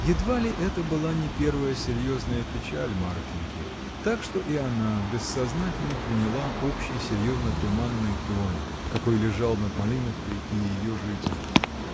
Едва ли это была не первая серьезная печаль Марфиньки, так что и она бессознательно приняла общий серьезно-туманный тон, какой лежал над Малиновкой и ее жителями.